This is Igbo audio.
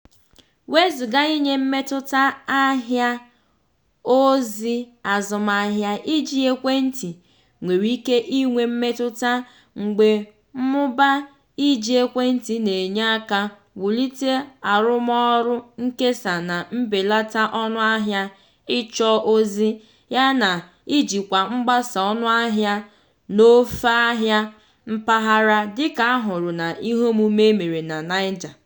Wezuga inye mmetụta ahịa/ozi azụmahịa iji ekwentị nwere ike inwe mmetụta mgbe mmụba iji ekwentị na-enye aka wulite arụmọrụ nkesa na mbelata ọnụahịa ịchọ ozi yana ijikwa mgbasa ọnụahịa n'ofe ahịa mpaghara, dịka a hụrụ n'iheọmụmụ e mere na Niger.